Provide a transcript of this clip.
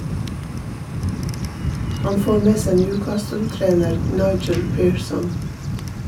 Han får med seg Newcastle-trener Nigel Pearson.